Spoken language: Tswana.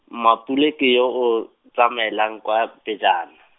Mmapule ke yo o, tsamaelang kwa pejana.